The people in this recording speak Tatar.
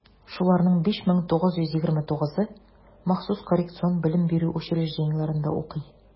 Шуларның 5929-ы махсус коррекцион белем бирү учреждениеләрендә укый.